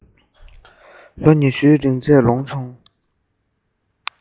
ལོ ཉི ཤུའི རིང འཚར ལོངས བྱུང